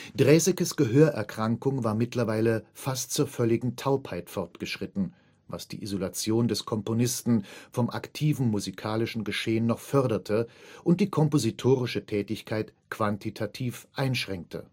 Draesekes Gehörerkrankung war mittlerweile fast zur völligen Taubheit fortgeschritten, was die Isolation des Komponisten vom aktiven musikalischen Geschehen noch förderte und die kompositorische Tätigkeit quantitativ einschränkte